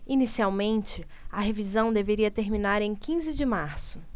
inicialmente a revisão deveria terminar em quinze de março